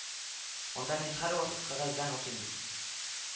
—анда мин һәрвакыт кәгазьдән укыйм бит